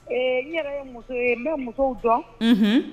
Ee n yɛrɛ ye muso ye n bɛ musow dɔn